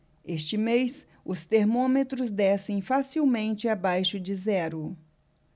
este mês os termômetros descem facilmente abaixo de zero